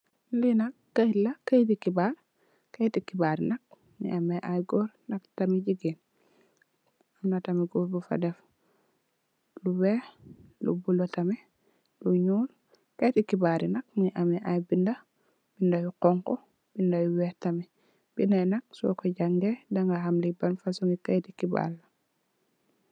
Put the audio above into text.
Li nak keyit la keyetti xibaar yi mungi ame ay goor ak tamit jigéen. Amna goor tamit bufa def lu weex, lu bulo tamit, lu nuul. Keyetti xibaar bi nak mungi ame ay bindah yu xonxo ak bindah yu weex. Keyetti xibaar bi nak suko jangee danga ham lünkoy jefandikoo.